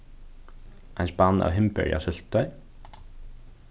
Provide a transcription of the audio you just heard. ein spann av hindberjasúltutoy